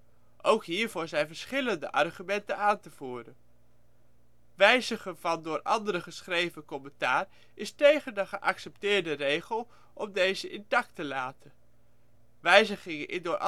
Ook hiervoor zijn verschillende argumenten aan te voeren: wijzigen van door anderen geschreven commentaar is tegen de geaccepteerde regel om deze intact te laten. wijzigingen in door